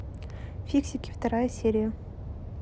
фиксики вторая серия